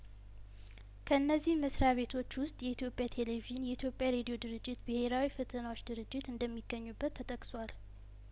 ከእነዚህ መስሪያቤቶች ውስጥ የኢትዮጵያ ቴሌቪዥን የኢትዮጵያ ሬዲዮ ድርጅት ብሄራዊ ፈተናዎች ድርጅት እንደሚገኙበት ተጠቅሷል